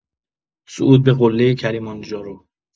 صعود به قله کلیمانجارو